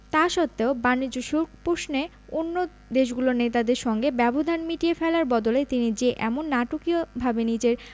তা সত্ত্বেও বাণিজ্য শুল্ক প্রশ্নে অন্য দেশগুলোর নেতাদের সঙ্গে ব্যবধান মিটিয়ে ফেলার বদলে তিনি যে এমন নাটকীয়ভাবে নিজের